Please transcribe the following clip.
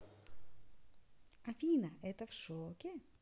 афина это в шоке